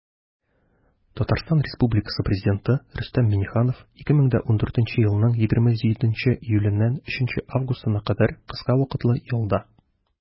Татарстан Республикасы Президенты Рөстәм Миңнеханов 2014 елның 27 июленнән 3 августына кадәр кыска вакытлы ялда.